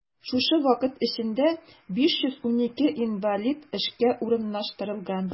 Шушы вакыт эчендә 512 инвалид эшкә урнаштырылган.